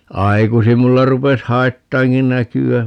aikaisin minulla rupesi haittaamaankin näköä